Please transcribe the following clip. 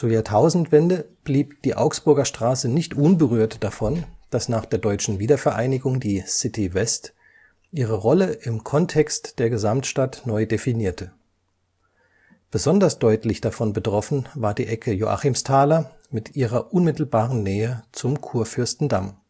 Jahrtausendwende blieb die Augsburger Straße nicht unberührt davon, dass nach der Deutschen Wiedervereinigung die „ City West” ihre Rolle im Kontext der Gesamtstadt neu definierte. Besonders deutlich davon betroffen war die Ecke Joachimstaler Straße mit ihrer unmittelbaren Nähe zum Kurfürstendamm